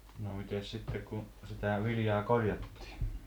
no mitenkäs sitten kun sitä viljaa korjattiin